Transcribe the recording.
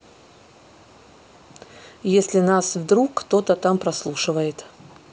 если нас вдруг кто то там прослушивает